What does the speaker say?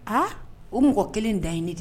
A o mɔgɔ kelen da ɲi di